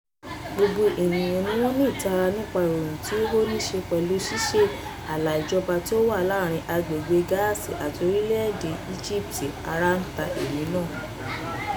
Gbogbo ènìyàn ni wọ́n ní ìtara nípa ìròyìn tí ó níí ṣe pẹ̀lú ṣíṣí ààlà ìjọba tí ó wà láàárín Agbègbè Gaza àti orílẹ̀-èdè Egypt, ara ta èmi náà.